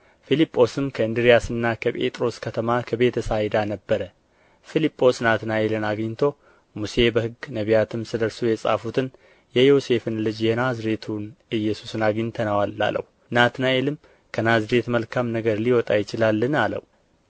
ፊልጶስም ከእንድርያስና ከጴጥሮስ ከተማ ከቤተ ሳይዳ ነበረ ፊልጶስ ናትናኤልን አግኝቶ ሙሴ በሕግ ነቢያትም ስለ እርሱ የጻፉትን የዮሴፍን ልጅ የናዝሬቱን ኢየሱስን አግኝተነዋል አለው ናትናኤልም ከናዝሬት መልካም ነገር ሊወጣ ይችላልን አለው